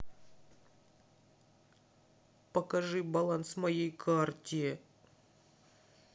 покажи баланс моей карте